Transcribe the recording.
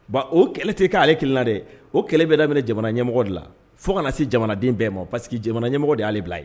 Bon o kɛlɛ tɛ k'ale kelenna dɛ o kɛlɛ bɛ daminɛ jamana ɲɛmɔgɔ de la fo kana se jamana den bɛɛ ma parce que jamana ɲɛmɔgɔ de y'ale bila yen